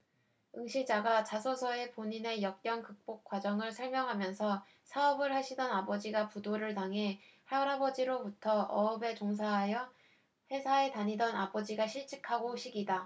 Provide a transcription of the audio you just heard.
응시자가 자소서에서 본인의 역경 극복 과정을 설명하면서 사업을 하시던 아버지가 부도를 당해 할아버지부터 어업에 종사하여 회사에 다니던 아버지가 실직하고 식이다